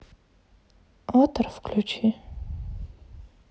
отр включи